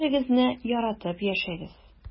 Бер-берегезне яратып яшәгез.